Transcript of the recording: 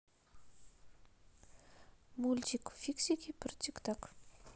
мультик фиксики про тик так